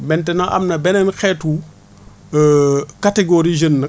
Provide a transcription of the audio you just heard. maintenant am na beneen xeetu catégorie jeune nag